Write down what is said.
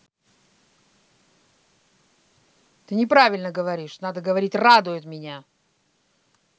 ты неправильно говоришь надо говорить радует меня